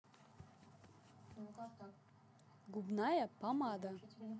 губная помада